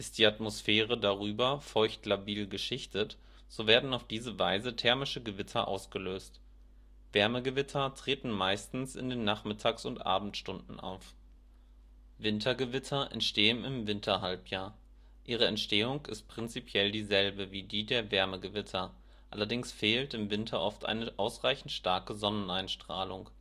die Atmosphäre darüber feuchtlabil geschichtet, so werden auf diese Weise thermisch Gewitter ausgelöst. Wärmegewitter treten meistens in den Nachmittags - und Abendstunden auf. Wintergewitter entstehen im Winterhalbjahr. Ihre Entstehung ist prinzipiell dieselbe wie die der Wärmegewitter. Allerdings fehlt im Winter oft eine ausreichend starke Sonneneinstrahlung